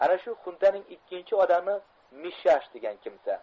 ana shu xuntaning ikkinchi odami mishash degan kimsa